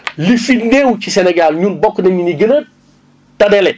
li fi néew ci Sénégal ñun bokk nañu ñi gën a tardé le